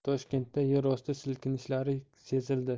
toshkentda yerosti silkinishlari sezildi